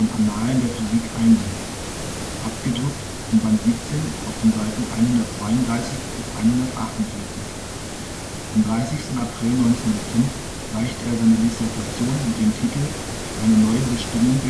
Annalen der Physik einging (abgedruckt in Band 17 auf den Seiten 132-148). Am 30. April 1905 reichte er seine Dissertation mit dem Titel Eine neue Bestimmung der